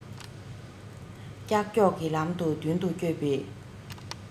ཀྱག ཀྱོག གི ལམ དུ མདུན དུ བསྐྱོད པའི